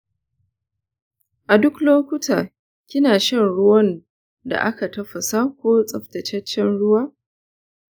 a duk lokuta kina shan ruwan da aka tafasa ko tsaftataccen ruwa.